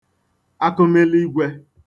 akụmiligwē